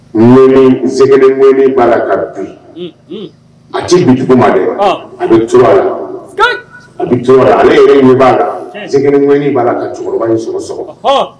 In b'a la ka a ji bi dugu ma wa a bɛ la a bɛ a b'a la ŋ b'a la ka cɛkɔrɔba in sɔrɔ sɔrɔ